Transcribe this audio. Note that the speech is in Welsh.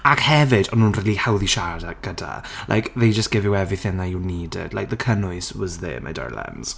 Ag hefyd, o'n nhw'n rili hawdd i siarad gyda. Like, they just give you everything that you needed like, the cynnwys was there my darlings.